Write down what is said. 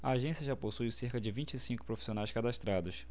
a agência já possui cerca de vinte e cinco profissionais cadastrados